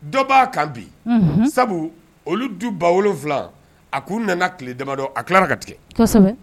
Dɔ ba kan bi sabu olu du 7 000 a ku nana kile damadɔ a kilala ka tigɛ.